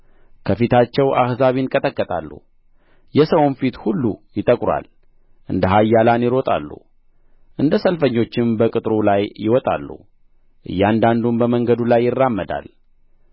ከፊታቸው አሕዛብ ይንቀጠቀጣሉ የሰውም ፊት ሁሉ ይጠቍራል እንደ ኃያላን ይሮጣሉ እንደ ሰልፈኞችም በቅጥሩ ላይ ይወጣሉ እያንዳንዱም በመንገዱ ላይ ይራመዳል